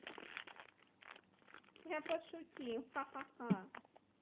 я пошутил ха ха ха